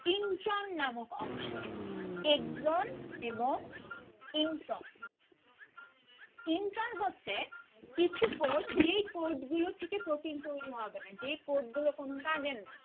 intron নামের অংশ exon এবং ইনট্রন ইনট্রন হচ্ছে কিছু কোড যেই কোড গুলো থেকে প্রোটিন তৈরি হবে না যেই কোড গুলো কোন কাজের না